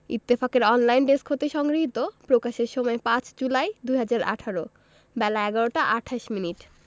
ইত্তফাকের online desk হতে সংগৃহীত প্রকাশের সময় ৫ জুলাই ২০১৮ বেলা১১টা ২৮ মিনিট